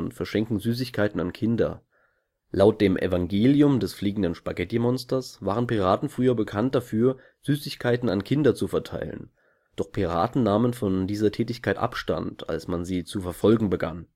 verschenken Süßigkeiten an Kinder. Laut dem Evangelium des Fliegenden Spaghettimonsters waren Piraten früher bekannt dafür, Süßigkeiten an Kinder zu verteilen, doch Piraten nahmen von dieser Tätigkeit Abstand, als man sie zu verfolgen begann